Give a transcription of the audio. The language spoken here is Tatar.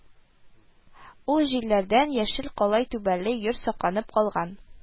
Ул җилләрдән яшел калай түбәле йорт сакланып калган